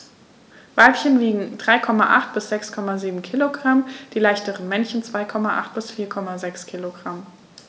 Weibchen wiegen 3,8 bis 6,7 kg, die leichteren Männchen 2,8 bis 4,6 kg.